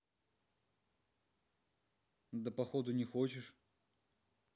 да походу не хочешь